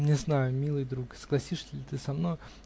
Не знаю, милый друг, согласишься ли ты со мною